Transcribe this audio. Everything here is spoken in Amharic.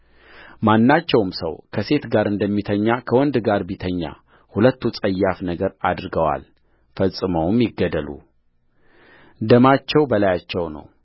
ማናቸውም ሰው ከሴት ጋር እንደሚተኛ ከወንድ ጋር ቢተኛ ሁለቱ ጸያፍ ነገር አድርገዋል ፈጽመው ይገደሉ ደማቸው በላያቸው ነው